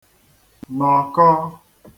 -nọkọ